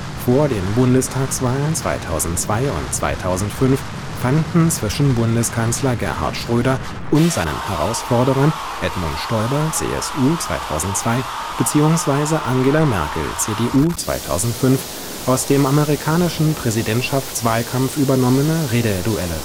Vor den Bundestagswahlen 2002 und 2005 fanden zwischen Bundeskanzler Gerhard Schröder und seinen Herausforderern, Edmund Stoiber (CSU, 2002) bzw. Angela Merkel (CDU, 2005), aus dem amerikanischen Präsidentschaftswahlkampf übernommene Rededuelle